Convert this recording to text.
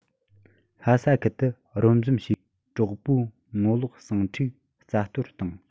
ལྷ ས ཁུལ དུ རུབ འཛོམས བྱས པའི དྲག པོའི ངོ ལོག ཟིང འཁྲུག རྩ གཏོར བཏང